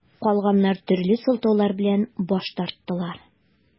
Калганнар төрле сылтаулар белән баш тарттылар.